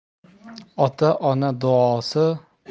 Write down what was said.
ota ona duosi